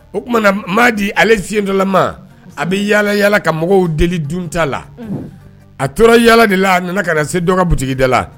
O tumaumana maa di ale sin dɔlalama a bɛ yaala yalala ka mɔgɔw deli dunta la a tora yala dela a nana ka na se dɔgɔ butigida la